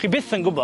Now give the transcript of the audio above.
Chi byth yn gwbo.